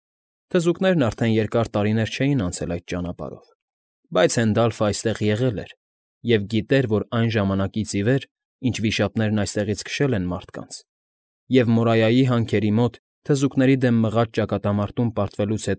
Թզուկներն արդեն երկար տարիներ չէին անցել այդ ճանապարհով, բայց Հենդալֆը այստեղ եղել էր և գիտեր, որ այն ժամանակից ի վեր, ինչ վիշապներն այստեղից քշել են մարդկանց, և Մորայայի հանքերի մոտ թզուկների դեմ մղած ճակատամարտում պատրվեցլուց։